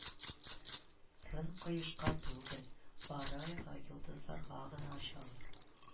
Рын кояшка түгел, бары айга, йолдызларга гына ачалар